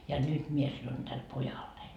ja nyt minä sanon tälle pojalleni